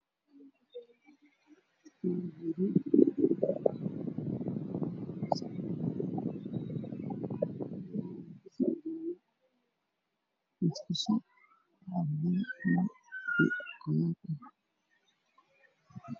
Waa qol midabkiisu yahay caddaan albaabada way furan yihiin midabka albaabada waa madow shaawar ayaa ii muuqda oo cadaan ah